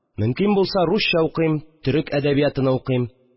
Мөмкин булса, русча укыйм, төрек әдәбиаты укыйм